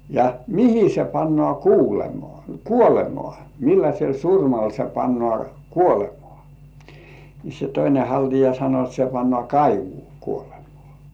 ja mihin se pannaan kuulemaan kuolemaan millaisella surmalla se pannaan kuolemaa niin se toinen haltia sanoi että se pannaan kaivoon kuolemaan